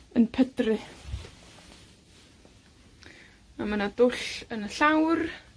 yn pydru. A ma' 'na dwll yn y llawr.